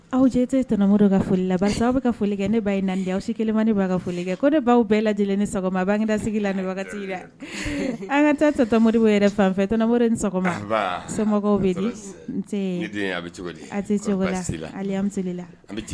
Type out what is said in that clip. Aw jɛ tɛ tmo ka foli la basi aw bɛ ka foli kɛ ne ba ye nali aw si kelenlima ne ba ka foli kɛ ko ne baw bɛɛ lajɛ lajɛlen ni sɔgɔma badasigi la ni wagati la an ka tɛ tanmoɔri bɔ yɛrɛ fanfɛ tmo ni sɔgɔma so bɛ la